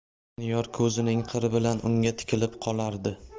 doniyor ko'zining qiri bilan unga tikilib qolardi